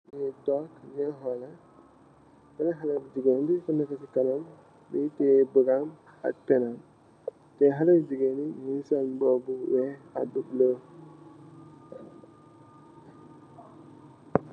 Mungy tok dii holeh, benen haleh bu gigain bi ku neka cii kanam mungy tiyeh bookgam ak pen nam, teh haleh yu gigain yii njungy sol mbuba bu wekh ak bu bleu.